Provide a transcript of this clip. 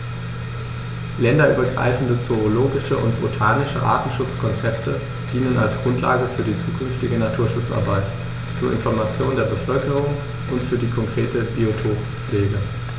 Länderübergreifende zoologische und botanische Artenschutzkonzepte dienen als Grundlage für die zukünftige Naturschutzarbeit, zur Information der Bevölkerung und für die konkrete Biotoppflege.